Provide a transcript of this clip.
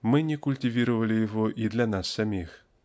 --мы не культивировали его и для нас самих.